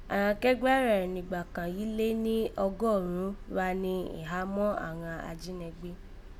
Àghan akegbẹ́ rẹ̀ nìgbà kàn yìí lé ni ọgọ́rùn ún gha ni ìhámá àghan ajínẹgbé